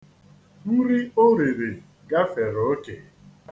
Nri o riri gafere oke.